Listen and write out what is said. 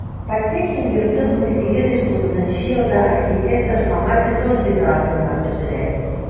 Потехин йорты 1830 елда архитектор Фома Петонди тарафыннан төзелә.